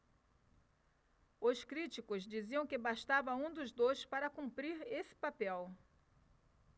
os críticos diziam que bastava um dos dois para cumprir esse papel